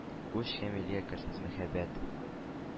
Үч һәм илгә керсез мәхәббәт.